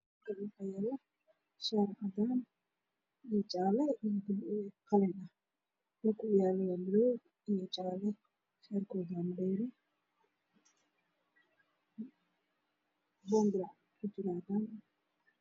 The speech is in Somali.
Waa meel tukaan carwo ah waxaa ii muuqdo shati midabkiisa cadaan oo meel ku dhigaan